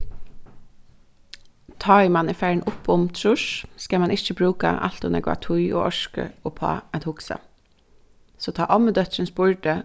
tá ið mann er farin upp um trýss skal mann ikki brúka alt ov nógva tíð og orku uppá at hugsa so tá ommudóttirin spurdi